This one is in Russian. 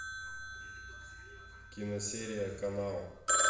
киносерия канал